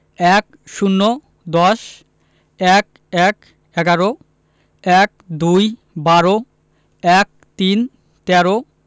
১০ – দশ ১১ - এগারো ১২ - বারো ১৩ - তেরো